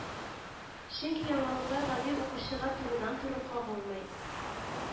Чөнки яңалыклар гади укучыга турыдан-туры кагылмый